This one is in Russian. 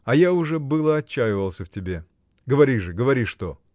А я уже было отчаивался в тебе! Говори же, говори, что?